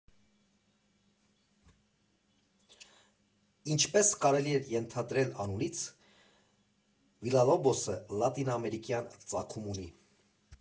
Ինչպես կարելի է ենթադրել անունից, Վիլլալոբոսը լատինամերիկյան ծագում ունի։